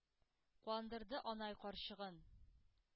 Куандырды анай карчыгын,